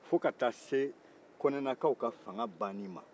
fɔ ka taa se kɔnɛlakaw ka fanga banni ma